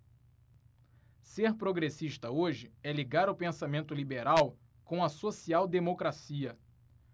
ser progressista hoje é ligar o pensamento liberal com a social democracia